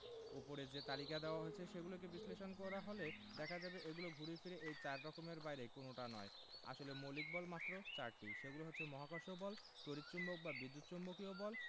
ওপরে যে তালিকা দেওয়া হয়েছে সেগুলোকে বিশ্লেষণ করা হলে দেখা যাবে এগুলো ঘুরে ফিরে এই চার রকমের বাইরে কোনোটা নয় আসলে মৌলিক বল মাত্র চারটি সেগুলো হচ্ছে মহাকর্ষ বল তড়িৎ চৌম্বক বা বিদ্যুৎ চৌম্বকীয় বল